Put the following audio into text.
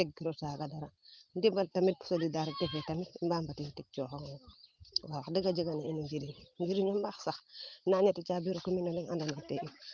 teg ki ro taga dara ɗiman tamit solidarite fee tamit i ɓaa matin ten tig cokoŋ ŋo yo waxdeg a djega o ƴirin ño ɓaak sax ɗaa ñeti caabi ke roku o leŋ anda na te in